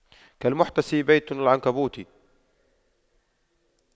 كالمحتمي ببيت العنكبوت